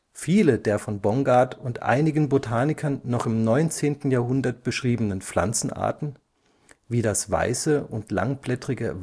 Viele der von Bongard und einigen Botanikern noch im 19. Jahrhundert beschriebenen Pflanzenarten, wie das Weiße und Langblättrige